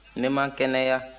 ne ma kɛnɛya